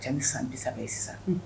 Cɛ ni san bisa ye sisan